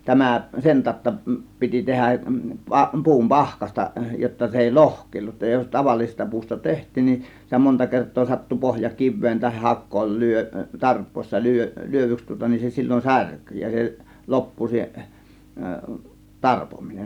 tämä sen tautta piti tehdä - puun pahkasta jotta se ei lohkeillut jos tavallisesta puusta tehtiin niin sitä monta kertaa sattui pohja kiveen tai hakoon - tarpoessa - lyödyksi tuota niin se silloin särkyi ja se loppu se tarpominen